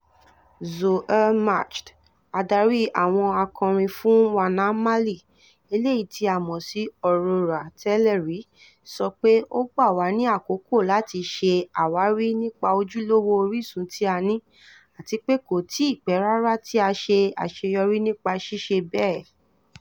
Zouheir Mejd, adarí àwọn akọrin fún Wana Mali (eléyìí tí a mọ̀ sí Aurora) tẹ́lẹ̀ rí) sọ pé "Ó gbà wá ní àkókò láti ṣe àwárí nípa ojúlówó orìsun tí a ní, àti pé kò tí ì pẹ́ rárá tí a ṣe àṣeyọrí nípa ṣíṣe bẹ́ẹ̀"